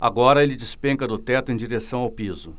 agora ele despenca do teto em direção ao piso